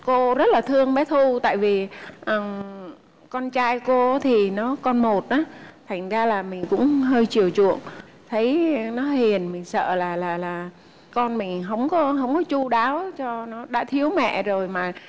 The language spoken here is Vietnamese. cô rất là thương con bé thu tại vì thằng con trai cô thì nó con một á thành ra là mình cũng hơi chiều chuộng thấy nó hiền mình sợ là là là con mình hổng có hổng có chu đáo cho nó đã thiếu mẹ rồi mà